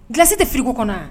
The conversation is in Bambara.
Gsi tɛ siririko kɔnɔ